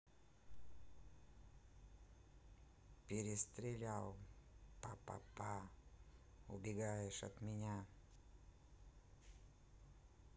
перестрелял па па па убегаешь от меня